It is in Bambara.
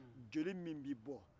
joli min bɛ bɔ